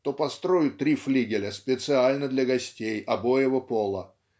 то построю три флигеля специально для гостей обоего пола.